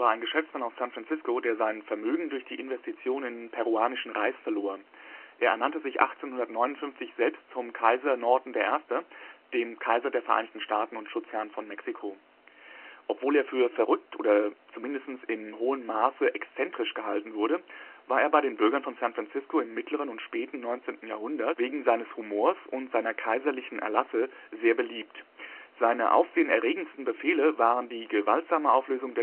ein Geschäftsmann aus San Francisco, der sein Vermögen durch die Investition in peruanischen Reis verlor. Er ernannte sich 1859 selbst zu Kaiser Norton I., dem Kaiser der Vereinigten Staaten und Schutzherrn von Mexiko. Obwohl er für verrückt oder zumindest in hohem Maße exzentrisch gehalten wurde, war er bei den Bürgern von San Francisco im mittleren und späten 19. Jahrhundert wegen seines Humors und seiner „ kaiserlichen Erlasse “sehr beliebt: Seine aufsehenerregendsten Befehle waren die gewaltsame Auflösung